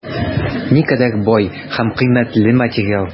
Никадәр бай һәм кыйммәтле материал!